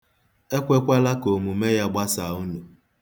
Ekwekwala ka omume ya gbasaa unu.